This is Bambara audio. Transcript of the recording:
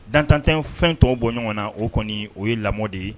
Dan tante fɛn tɔw bɔ ɲɔgɔn na o kɔni o ye lamɔ de ye